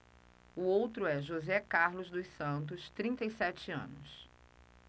o outro é josé carlos dos santos trinta e sete anos